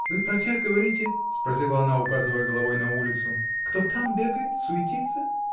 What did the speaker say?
— Вы про тех говорите, — спросила она, указывая головой на улицу, — кто там бегает, суетится?